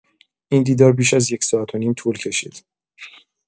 این دیدار بیش از یک ساعت و نیم طول کشید.